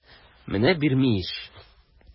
Менә бирми ич!